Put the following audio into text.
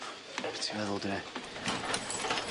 Be' ti feddwl de?